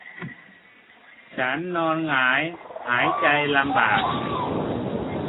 ฉันนอนหงายหายใจลำบาก